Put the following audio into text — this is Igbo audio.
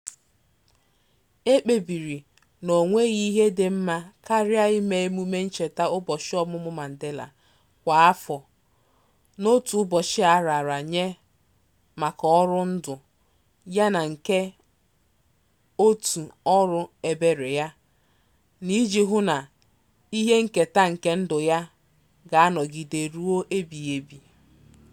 E kpebiri na o nweghị ihe dị mma karịa ime emume ncheta ụbọchị ọmụmụ Madiba kwa afọ na otu ụbọchị a raara nye maka ọrụ ndụ yana nke òtù ọrụ ebere ya na iji hụ na ihe nketa nke ndụ ya ga-anọgide ruo ebighịebe.